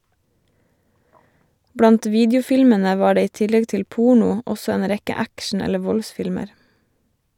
Blant videofilmene var det i tillegg til porno, også en rekke action- eller voldsfilmer.